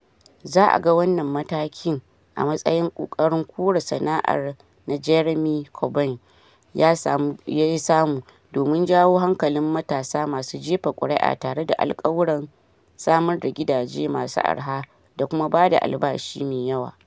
Za a ga wannan matakin a matsayin ƙoƙarin kore nasarar da Jeremy Corbyn ya samu domin jawo hankalin matasa masu jefa kuri'a tare da alƙawuran samar da gidaje masu arha da kuma bada albashi me yawa.